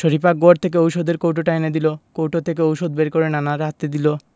শরিফা ঘর থেকে ঔষধের কৌটোটা এনে দিল কৌটা থেকে ঔষধ বের করে নানার হাতে দিল